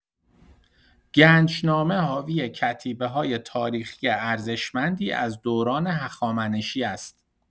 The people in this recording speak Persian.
گنجنامه حاوی کتیبه‌های تاریخی ارزشمندی از دوران هخامنشی است.